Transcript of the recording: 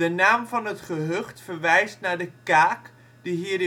naam van het gehucht verwijst naar de kaak die hier